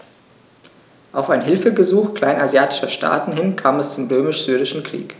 Auf ein Hilfegesuch kleinasiatischer Staaten hin kam es zum Römisch-Syrischen Krieg.